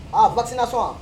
Aa basi na sɔn